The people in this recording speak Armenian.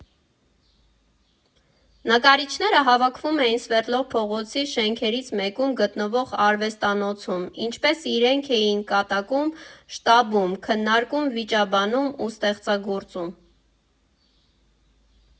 Նկարիչները հավաքվում էին Սվերդլով փողոցի շենքերից մեկում գտնվող արվեստանոցում, ինչպես իրենք էին կատակում՝ շտաբում, քննարկում, վիճաբանում ու ստեղծագործում։